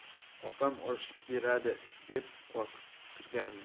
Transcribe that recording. opam urishib beradi deb qo'rqib turgandim